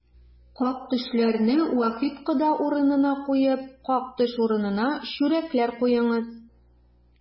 Как-төшләрне Вахит кода урынына куеп, как-төш урынына чүрәкләр куеңыз!